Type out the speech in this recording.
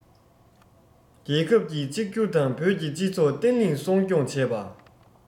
རྒྱལ ཁབ ཀྱི གཅིག གྱུར དང བོད ཀྱི སྤྱི ཚོགས བརྟན ལྷིང སྲུང སྐྱོང བྱས པ